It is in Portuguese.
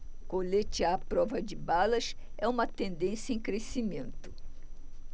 colete à prova de balas é uma tendência em crescimento